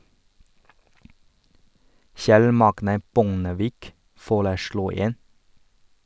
Kjell Magne Bondevik, foreslo en.